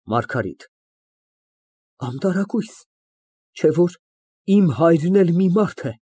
ՄԱՐԳԱՐԻՏ ֊ Անտարակույս։ Չէ՞ որ իմ հայրն էլ մի մարդ է։